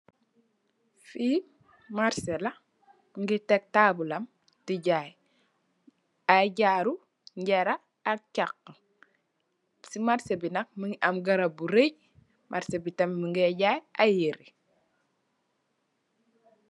Fi marseh la, mugii tèg tabull lam di jaay ay jaru njara ay caxa. Si marseh bi nak mugii am garap bu ray. Marseh bi tam mugeh jaay ay yirèh.